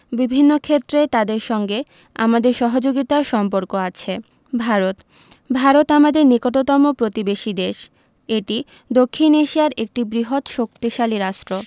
বিভিন্ন ক্ষেত্রে তাদের সঙ্গে আমাদের সহযোগিতার সম্পর্ক আছে ভারত ভারত আমাদের নিকটতম প্রতিবেশী দেশ এটি দক্ষিন এশিয়ার একটি বৃহৎ শক্তিশালী রাষ্ট্র